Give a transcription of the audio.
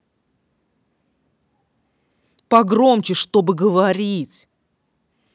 погромче чтобы говорить